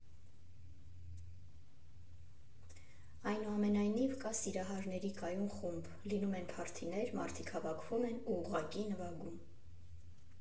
Այնուամենայնիվ, կա սիրահարների կայուն խումբ, լինում են փարթիներ, մարդիկ հավաքվում են ու ուղղակի նվագում։